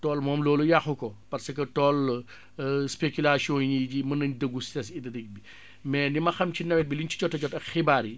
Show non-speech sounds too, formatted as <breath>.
tool moom loolu yàqu ko parce que tool <hesitation> spéculation yi ñuy ji mën nañ dékku sèche hydrique bi <breath> mais li ma xam si nawet bi liñ ci jot a jot a xibaar yi